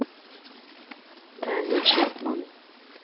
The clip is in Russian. тайны чапман